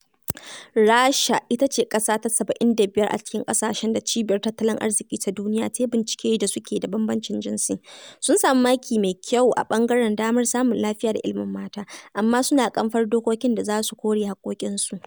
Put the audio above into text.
Rasha ita ce ƙasa ta 75 a cikin ƙasashen da Cibiyar Tattalin Arziƙi ta Duniya ta yi bincike da suke da bambancin jinsi, sun samu maki masu kyau a ɓangaren damar samun lafiya da ilimin mata, amma suna ƙamfar dokokin da za su kare haƙƙoƙinsu.